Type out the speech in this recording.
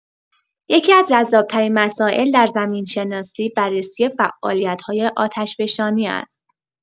یکی‌از جذاب‌ترین مسائل در زمین‌شناسی بررسی فعالیت‌های آتشفشانی است.